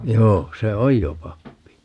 joo se on jo pappi